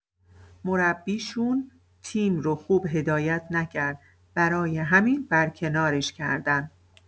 مربی‌شون تیم رو خوب هدایت نکرد، برای همین برکنارش کردن.